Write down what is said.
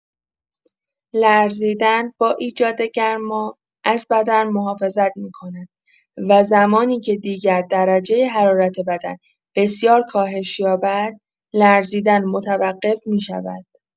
لرزیدن، با ایجاد گرما، از بدن محافظت می‌کند و زمانی که دیگر درجه حرارت بدن بسیار کاهش یابد، لرزیدن متوقف می‌شود.